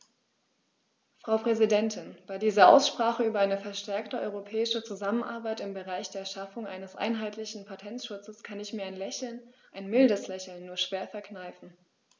Frau Präsidentin, bei dieser Aussprache über eine verstärkte europäische Zusammenarbeit im Bereich der Schaffung eines einheitlichen Patentschutzes kann ich mir ein Lächeln - ein mildes Lächeln - nur schwer verkneifen.